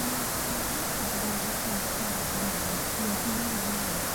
Wnawn ni ca'l ymatab ar ôl i pawb siarad, dwi'n meddwl, diolch am rannu hynna.